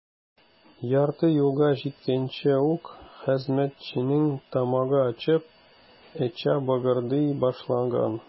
Ярты юлга җиткәнче үк хезмәтченең тамагы ачып, эче быгырдый башлаган.